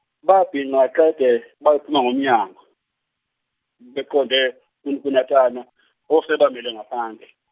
babhinca qede bayophuma ngomnyango beqonde ku- kuNatana osebamele ngaphandle.